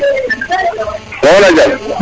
waxey na jam